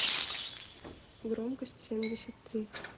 громкость семьдесят три